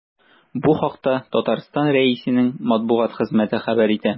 Бу хакта Татарстан Рәисенең матбугат хезмәте хәбәр итә.